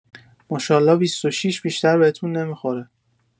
ماشالا ۲۶ بیشتر بهتون نمی‌خوره